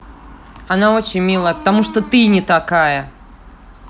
она очень милая почему ты не такая